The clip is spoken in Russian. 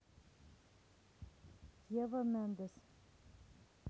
ева мендес